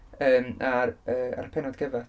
Yn, ar yy ar y pennod cyfan.